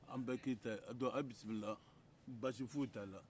an bɛ keyita ye donke aw bisimila baasi foyi t'a la